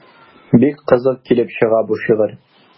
Бик кызык килеп чыга бу шигырь.